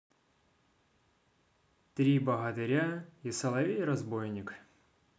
три богатыря и соловей разбойник